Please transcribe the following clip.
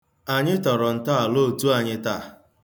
Anyị tọrọ ntọala otu anyị taa.